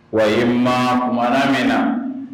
Wa ma kuma min na